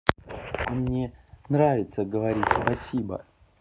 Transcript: а мне нравится говорить спасибо